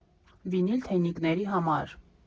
Վինիլ Թեյնիկների համար։